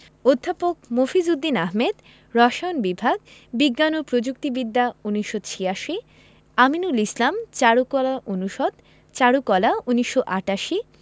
অধ্যাপক মফিজ উদ দীন আহমেদ রসায়ন বিভাগ বিজ্ঞান ও প্রযুক্তি বিদ্যা ১৯৮৬ আমিনুল ইসলাম চারুকলা অনুষদ চারুকলা ১৯৮৮